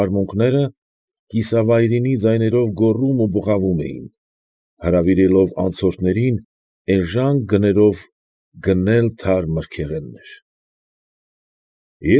Արմունկները, կիսավայրենի ձայներով գոռում ու բղավում էին, հրավիրելով անցորդներին էժան գներով գնել թարմ մրգեղեններ։ ֊